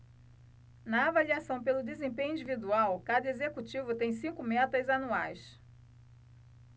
na avaliação pelo desempenho individual cada executivo tem cinco metas anuais